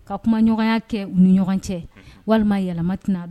Ka kumaɲɔgɔnya kɛ ni ɲɔgɔn cɛ walima yɛlɛma